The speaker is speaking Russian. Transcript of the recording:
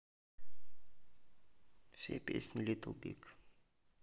все песни литл биг